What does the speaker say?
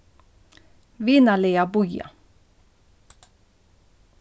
vinarliga bíða